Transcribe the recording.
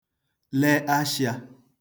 le ashịā